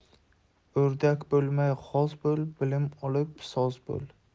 o'rdak bo'lmay g'oz bo'l bilim olib soz bo'l